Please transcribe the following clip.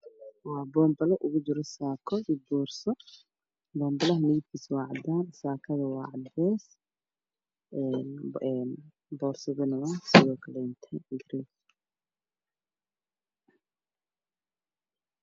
Waa bomballo midabkiisa yahay cadaan waxaa ku jirta saaka midabkeedu yahay cadays boorso ayaa ku dhigaan